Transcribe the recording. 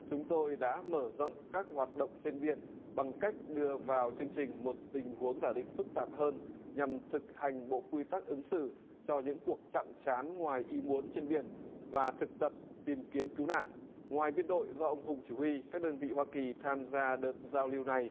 chúng tôi đã mở rộng các hoạt động trên biển bằng cách đưa vào chương trình một tình huống giả định phức tạp hơn nhằm thực hành bộ quy tắc ứng xử cho những cuộc chạm trán ngoài ý muốn trên biển và thực tập tìm kiếm cứu nạn ngoài biên đội do ông hùng chỉ huy các đơn vị hoa kỳ tham gia đợt giao lưu này